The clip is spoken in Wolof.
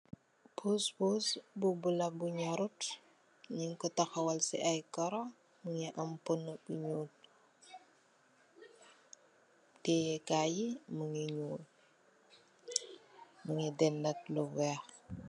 Puss puss bu bula bu ñorut ñing ko taxawal ci ay karó mugii am puno bu ñuul teyeh kay yi mungii ñuul mungii denda ak lu wèèx.